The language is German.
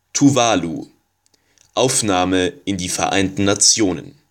Tuvalu: Aufnahme in die Vereinten Nationen